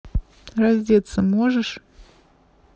раздеться можешь